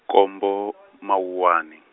nkombo Mawuwani.